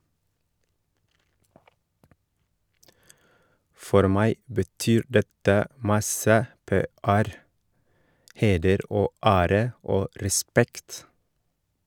- For meg betyr dette masse PR, heder og ære og respekt.